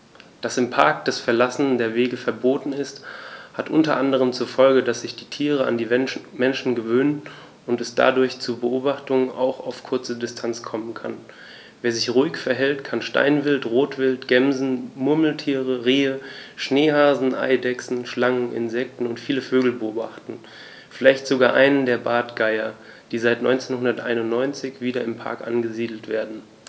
Dass im Park das Verlassen der Wege verboten ist, hat unter anderem zur Folge, dass sich die Tiere an die Menschen gewöhnen und es dadurch zu Beobachtungen auch auf kurze Distanz kommen kann. Wer sich ruhig verhält, kann Steinwild, Rotwild, Gämsen, Murmeltiere, Rehe, Schneehasen, Eidechsen, Schlangen, Insekten und viele Vögel beobachten, vielleicht sogar einen der Bartgeier, die seit 1991 wieder im Park angesiedelt werden.